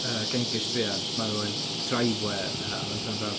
yy, Genghis druan, marw yn driveway yy Alexander Armstrong.